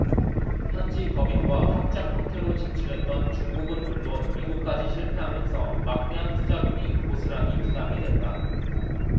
현지법인과 합작형태로 진출했던 중국은 물론 미국까지 실패하면서 막대한 투자금이 고스란히 부담이 됐다